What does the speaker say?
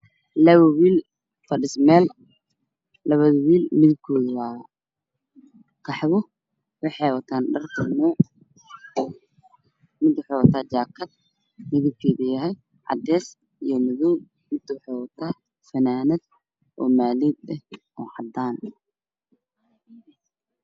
Laba wiil fadhiso meel labada wiil midab koodu waa qaxwo waxay wataan dhar tolmo mid wuxuu wataa jaakad midab keedu yahay cadays iyo madow mid wuxuu wataa fanaanad oo maaliyad eh oo cadaan eh